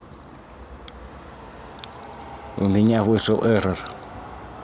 у меня вышел ерор